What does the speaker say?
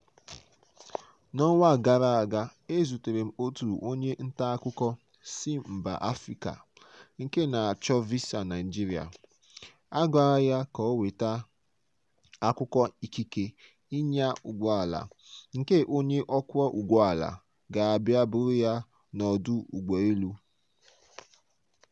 N'ọnwa gara aga, e zutere m otu onye ntaakụkọ si mba Afrịka nke na-achọ visa Naịjirịa. A gwara ya ka o weta akwụkwọ ikike ịnya ụgbọala nke onye ọkwọụgbọala ga-abịa bụrụ ya n'ọdụ ụgbọelu!